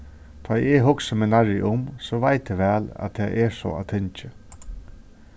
tá ið eg hugsi meg nærri um so veit eg væl at tað er so á tingi